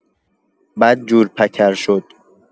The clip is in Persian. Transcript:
بدجور پکر شد.